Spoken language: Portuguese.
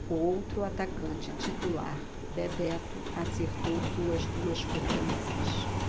o outro atacante titular bebeto acertou suas duas cobranças